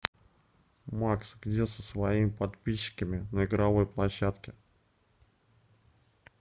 макс где со своими подписчиками на игровой площадке